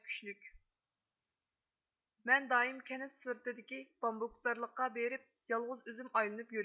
مەن دائىم كەنت سىرتىدىكى بامبۇكزارلىققا بېرىپ يالغۇز ئۆزۈم ئايلىنىپ يۈرىمەن